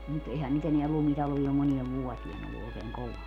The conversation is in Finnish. mutta eihän nyt enää lumitalvea ole moneen vuoteen ollut oikein kovaa